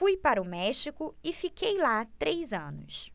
fui para o méxico e fiquei lá três anos